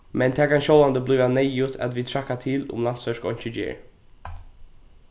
men tað kann sjálvandi blíva neyðugt at vit traðka til um landsverk einki ger